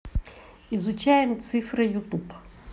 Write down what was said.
изучаем цифры ютуб